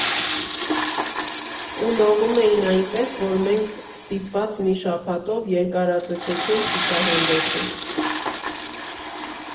Ու լողում էին այնպես, որ մենք ստիպված մի շաբաթով երկարաձգեցինք ցուցահանդեսը.